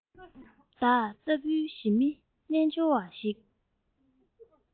བདག ལྟ བུའི ཞི མི རྣལ འབྱོར བ ཞིག